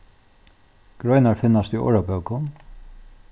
greinar finnast í orðabókum